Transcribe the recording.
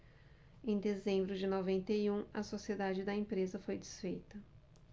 em dezembro de noventa e um a sociedade da empresa foi desfeita